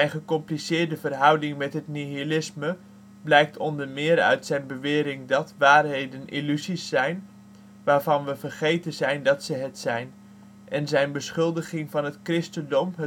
gecompliceerde verhouding met het nihilisme blijkt onder meer uit zijn bewering dat " waarheden illusies (zijn), waarvan we vergeten zijn dat ze het zijn ", en zijn beschuldiging van het christendom